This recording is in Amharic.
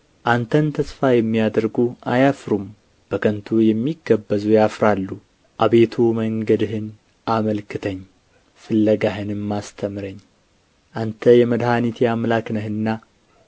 አንተን ተስፋ የሚያደርጉ አያፍሩም በከንቱ የሚገበዙ ያፍራሉ አቤቱ መንገድህን አመልክተኝ ፍለጋህንም አስተምረኝ አንተ የመድኃኒቴ አምላክ ነህና